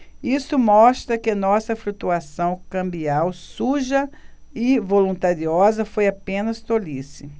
isso mostra que nossa flutuação cambial suja e voluntariosa foi apenas tolice